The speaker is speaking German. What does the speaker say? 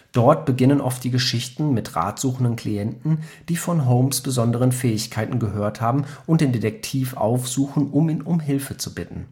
Dort beginnen oft die Geschichten mit ratsuchenden Klienten, die von Holmes’ besonderen Fähigkeiten gehört haben und den Detektiv aufsuchen, um ihn um Hilfe zu bitten